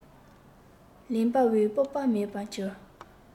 ལེན པའི སྤོབས པ མེད པར གྱུར